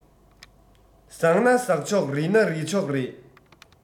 ཟག ན ཟག ཆོག རིལ ན རིལ ཆོག རེད